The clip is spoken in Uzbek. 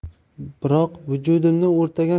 biroq vujudimni o'rtagan